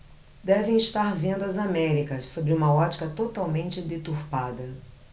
devem estar vendo as américas sob uma ótica totalmente deturpada